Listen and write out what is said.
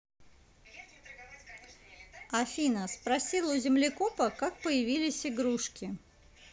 афина спросил у землекопа как появились игрушки